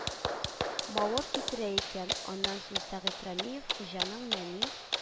Мавыр китерә икән, аннан соң сәгыйть рәмиев, хуҗаның нәни